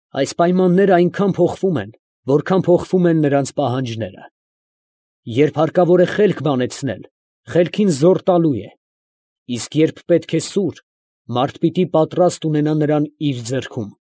Այս պայմանները այնքան փոխվում են, որքան փոխվում են նրանց պահանջները. երբ հարկավոր է խելք բանեցնել, խելքին զոռ տալու է, իսկ երբ պետք է սուր, մարդ պիտի պատրաստ ունենա նրան իր ձեռքում։